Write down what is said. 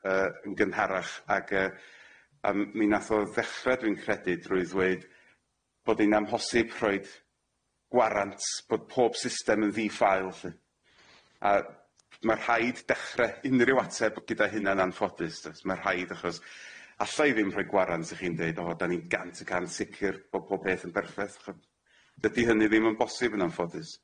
yy yn gynharach ag yy yym mi nath o ddechre dwi'n credu drwy ddweud bod i'n amhosib rhoid gwarant bod pob system yn ddiffaul lly a ma' rhaid dechre unryw ateb gyda hynna'n anffodus do's ma' rhaid achos alla i ddim rhoi gwarant i chi'n deud o 'dan ni'n gant y cant sicir bo pob peth yn berffeth ch'od dydi hynny ddim yn bosib yn anffodus.